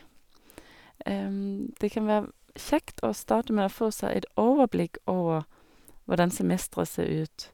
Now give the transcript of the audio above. Det kan være v kjekt å starte med å få seg et overblikk over hvordan semesteret ser ut.